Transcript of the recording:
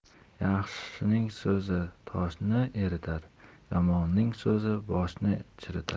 yaxshining so'zi toshni eritar yomonning so'zi boshni chiritar